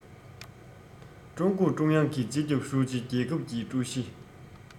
ཀྲུང གུང ཀྲུང དབྱང གི སྤྱི ཁྱབ ཧྲུའུ ཅིའམ རྒྱལ ཁབ ཀྱི ཀྲུའུ ཞི